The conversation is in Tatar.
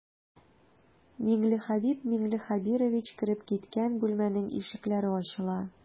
Миңлехәбиб миңлехәбирович кереп киткән бүлмәнең ишекләре ачыла.